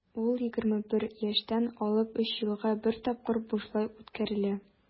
Ул 21 яшьтән алып 3 елга бер тапкыр бушлай үткәрелә.